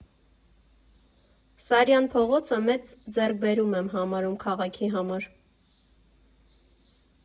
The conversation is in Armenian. Սարյան փողոցը մեծ ձեռքբերում եմ համարում քաղաքի համար։